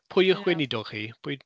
Pwy yw eich gweinidog chi? Pwy...